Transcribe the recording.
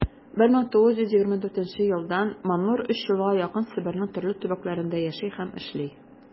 1924 елдан ш.маннур өч елга якын себернең төрле төбәкләрендә яши һәм эшли.